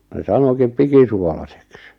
ne sanoikin pikisuolaiseksi